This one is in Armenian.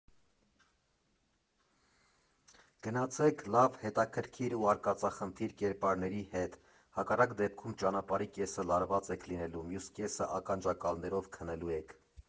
Գնացեք լավ հետաքրքիր ու արկածախնդիր կերպարների հետ, հակառակ դեպքում ճանապարհի կեսը լարված եք լինելու, մյուս կեսը ականջակալներով քնելու եք։